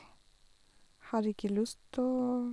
Har ikke lyst å...